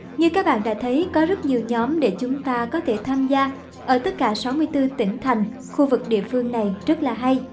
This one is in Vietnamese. như các bạn đã thấy có rất nhiều nhóm để chúng ta có thể tham gia ở tất cả tỉnh thành khu vực địa phương này rất là hay